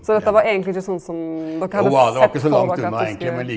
så dette var eigentleg ikkje sånn som dokker hadde sett for dokker at det skulle?